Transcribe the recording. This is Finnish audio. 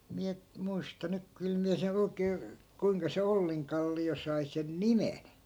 minä muista nyt kyllä minä sen oikein kuinka se Ollinkallio sai sen nimen